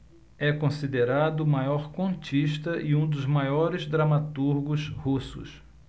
é considerado o maior contista e um dos maiores dramaturgos russos